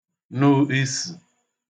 nụ isə̀